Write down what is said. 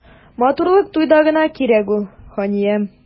Матурлык туйда гына кирәк ул, ханиям.